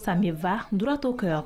Samifa duratɔ kɛ